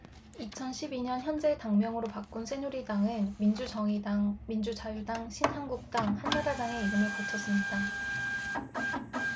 이천 십 이 년 현재의 당명으로 바꾼 새누리당은 민주정의당 민주자유당 신한국당 한나라당의 이름을 거쳤습니다